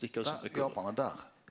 der Japan er der.